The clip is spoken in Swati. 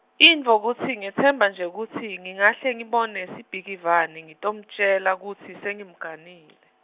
intfo kutsi ngetsemba nje kutsi ngingahle ngibone Sibhikivane ngitemtjela kutsi sengimganile.